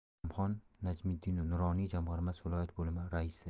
ikromxon najmiddinov nuroniy jamg'armasi viloyat bo'limi raisi